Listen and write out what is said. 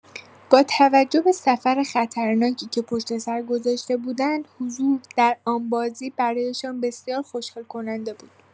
با توجه به سفر خطرناکی که پشت‌سر گذاشته بودند، حضور در آن بازی برایشان بسیار خوشحال‌کننده بود.